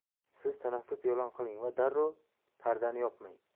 siz tanaffus e'lon qiling u darrov pardani yopmang